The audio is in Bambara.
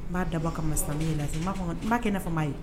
N b'a daba ka masa min lase'a kɛ ne'a ye